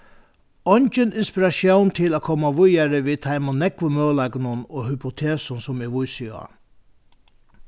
eingin inspiratión til at koma víðari við teimum nógvu møguleikunum og hypotesum sum eg vísi á